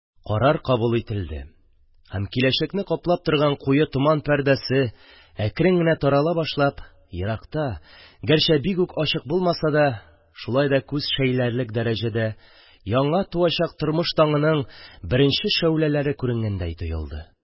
Карар кабул ителде һәм киләчәкне каплап торган куе томан пәрдәсе әкрен генә тарала башлап, еракта, гәрчә бик үк ачык булмаса да, шулай да күз шәйләрлек дәрәҗәдә, туачак яңа тормыш таңының беренче шәүләләре күренгәндәй тоелды.